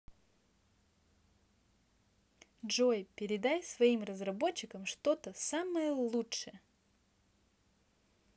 джой передай своим разработчикам что то самое лучшее